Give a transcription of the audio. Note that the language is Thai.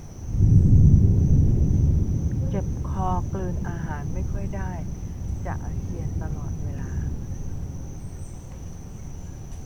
เจ็บคอกลืนอาหารไม่ค่อยได้จะอาเจียนตลอดเวลา